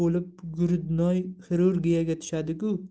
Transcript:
bo'lib grudnoy xirurgiyaga tushadiku